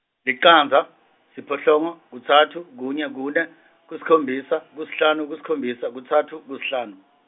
licandza, siphohlongo, kutsatfu, kunye kune kusikhombisa, kusihlanu kusikhombisa kutsatfu kusihlanu .